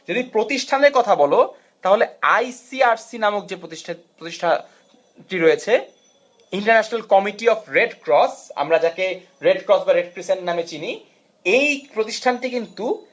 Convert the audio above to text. যদি প্রতিষ্ঠান কথা বল তাহলে আই সি আরসি নামক যে প্রতিষ্ঠানটি রয়েছে ইন্টারন্যাশনাল কমিটি অফ রেডক্রস আমরা যাকে রেডক্রস বা রেড ক্রিসেন্ট নামে চিনি এই প্রতিষ্ঠানটি কিন্তু